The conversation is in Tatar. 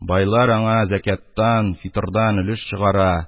Байлар аңа зәкяттан, фитырдан өлеш чыгара